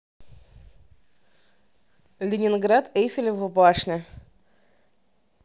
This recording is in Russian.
ленинград эйфелева башня